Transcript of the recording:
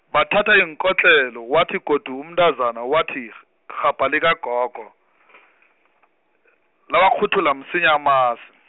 bathatha iinkotlelo, wathi godu umntazana wathi Rh- irhabha likagogo, lawakghuthula msinya amasi.